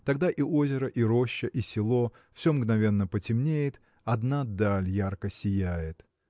тогда и озеро, и роща, и село – все мгновенно потемнеет одна даль ярко сияет.